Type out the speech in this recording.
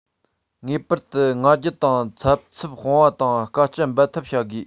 ངེས པར དུ ང རྒྱལ དང འཚབ འཚུབ སྤང བ དང དཀའ སྤྱད འབད འཐབ བྱ དགོས